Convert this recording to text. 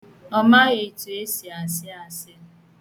Ọ maghị etu esi àsị àsị